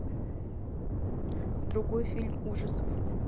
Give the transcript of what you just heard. другой фильм ужасов